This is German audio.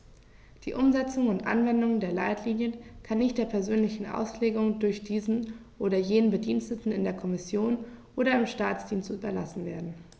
Die Umsetzung und Anwendung der Leitlinien kann nicht der persönlichen Auslegung durch diesen oder jenen Bediensteten in der Kommission oder im Staatsdienst überlassen werden.